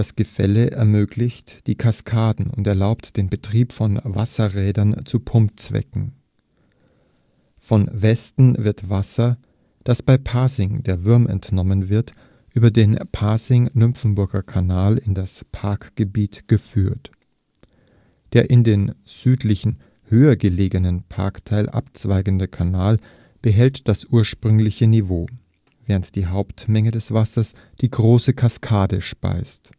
Gefälle ermöglicht die Kaskaden und erlaubt den Betrieb von Wasserrädern zu Pumpzwecken. Von Westen wird Wasser, das bei Pasing der Würm entnommen wird, über den Pasing-Nymphenburger Kanal in das Parkgebiet geführt. Der in den südlichen, höher gelegenen Parkteil abzweigende Kanal behält das ursprüngliche Niveau, während die Hauptmenge des Wassers die Große Kaskade speist